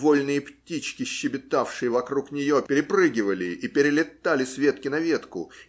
Вольные птички, щебетавшие вокруг нее, перепрыгивали и перелетали с ветки на ветку